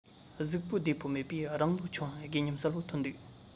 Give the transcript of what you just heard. གཟུགས པོ བདེ པོ མེད པས རང ལོ ཆུང ཡང རྒས ཉམས གསལ པོ ཐོན འདུག